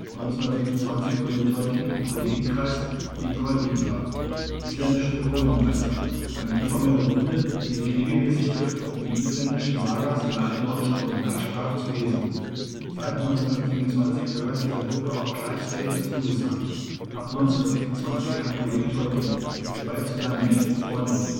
1926 gründet Tolkien im Kollegenkreis die Kolbitar (isländisch für Kohlenbeißer), eine informelle Runde, die sich regelmäßig trifft, um die isländischen Sagas in der altnordischen Originalsprache zu lesen. Seit 1927 gehört dieser Gruppe auch Clive Staples Lewis an, ab 1926 ein Kollege Tolkiens, der bald zu seinem engsten Freund wird